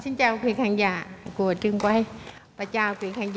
xin chào quý khán giả của trường quay và chào quý khán